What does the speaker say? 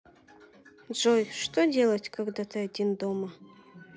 джой что делать когда ты один дома